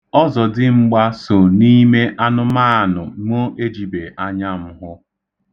Ọzọdimgba so n'ime anụmaanụ mụ ejibe anya m hụ.